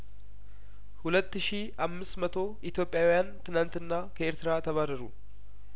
ሁለት ሺ አምስት መቶ ኢትዮጵያውያን ትናንትና ከኤርትራ ተባረሩ